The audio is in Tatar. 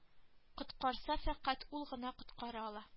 Коткарса фәкать ул гына коткара ала